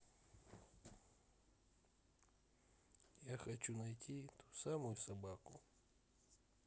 я хочу найти ту самую собаку